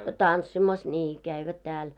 tanssimassa niin kävivät täällä